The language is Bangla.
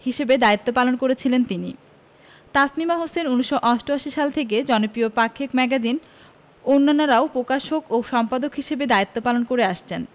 হিসেবে দায়িত্ব পালন করেছিলেন তিনি তাসনিমা হোসেন ১৯৮৮ সাল থেকে জনপ্রিয় পাক্ষিক ম্যাগাজিন অন্যান্যরাও প্রকাশক ও সম্পাদক হিসেবে দায়িত্ব পালন করে আসছেন